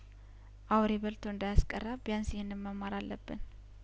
አውሬ በልቶ እንዳያስ ቀራት ቢያንስ ይህን መማር አለብን